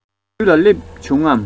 ད ལྟ དུས ལ བསླེབས བྱུང ངམ